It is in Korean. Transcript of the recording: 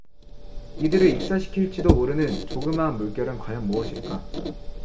이들을 익사시킬지도 모르는 조그마한 물결은 과연 무엇일까